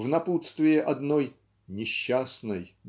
в напутствие одной "несчастной